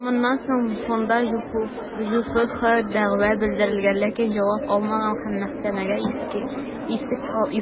Моннан соң фонд ҖҮФХгә дәгъва белдергән, ләкин җавап алмаган һәм мәхкәмәгә иск юллаган.